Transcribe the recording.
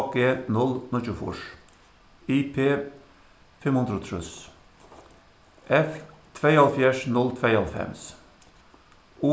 g null níggjuogfýrs i p fimm hundrað og trýss f tveyoghálvfjerðs null tveyoghálvfems